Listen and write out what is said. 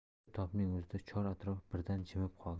shu tobning o'zida chor atrof birdan jimib qoldi